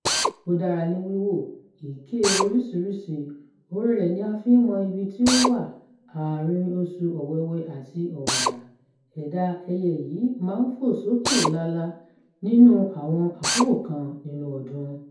Ó dára ní wíwò, iké oríṣiríṣi. Orin rẹ̀ ni a fi ń mọ ibi tí ó wà, àárín oṣù Ọ̀wẹwẹ̀ àti Ọ̀wàrà. Ẹ̀dá ẹyẹ yìí máa ń fò sókè lálá nínú àwọn àkókò kan nínú ọdún.